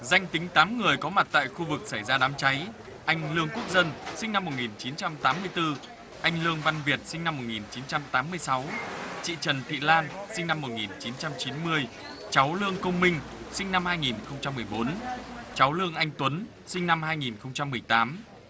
danh tính tám người có mặt tại khu vực xảy ra đám cháy anh lương quốc dân sinh năm một nghìn chín trăm tám mươi tư anh lương văn việt sinh năm một nghìn chín trăm tám mươi sáu chị trần thị lan sinh năm một nghìn chín trăm chín mươi cháu lương công minh sinh năm hai nghìn không trăm mười bốn cháu lương anh tuấn sinh năm hai nghìn không trăm mười tám